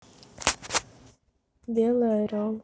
белый орел